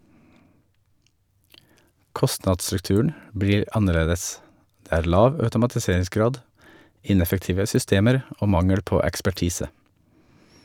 - Kostnadsstrukturen blir annerledes, det er lav automatiseringsgrad, ineffektive systemer og mangel på ekspertise.